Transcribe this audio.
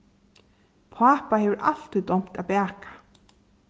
pápa hevur altíð dámt at baka